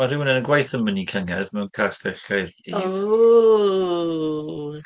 Ma' rywun yn y gwaith yn mynd i cyngerdd mewn Castell Caerdydd... Ww!